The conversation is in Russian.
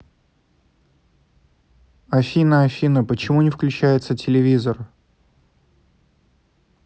афина афина почему не включается телевизор